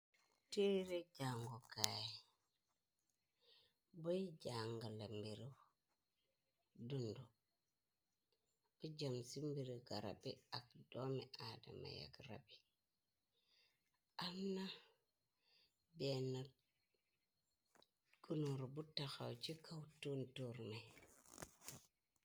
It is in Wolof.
Teere jangokaay boy jang la mbiru dund pëjam. Ci mbir garabi ak domi aadama yak rabi. Amna benn gunur bu taxaw ci kaw tunturme.